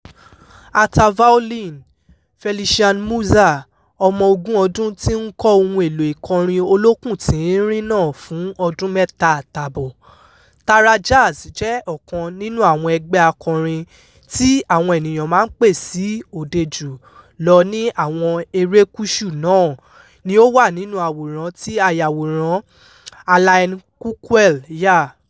Ata violin, Felician Mussa, ọmọ ogún ọdún, ti ń kọ́ ohun èlò ìkọrin olókùn tín-ín-rín náà fún ọdún mẹ́ta àtààbọ̀; TaraJazz jẹ́ ọ̀kan nínú àwọn ẹgbẹ́ akọrin tí ó àwọn ènìyàn máa ń pè sí òde jù lọ ní àwọn erékùṣù náà, ni ó wà nínú àwòrán tí ayàwòrán tí Aline Coquelle yà: